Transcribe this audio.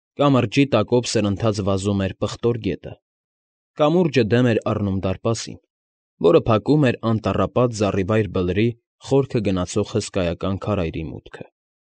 Կամրջի տակով սրընթաց վազում էր պղտոր գետը, կամուրջը դեմ էր առնում դարպասին, որը փակում էր անտառապատ զառիվայր բլրի խորքը գնացող հսկայական քարայրի մուտքը։